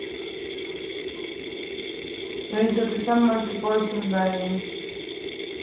алиса ты самое тупое создание